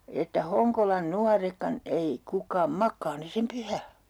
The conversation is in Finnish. että Honkolan nuoretkaan ei kukaan makaa ne sen pyhän